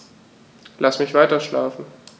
Lass mich weiterschlafen.